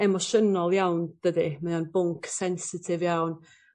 emosiynol iawn dydi mae o'n bwnc sensitif iawn.